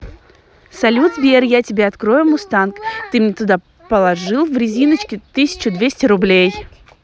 салют сбер я тебе открою мустанг ты мне туда положил в резиночки тысячу двести рублей